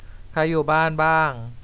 ใครอยู่บ้านบ้าง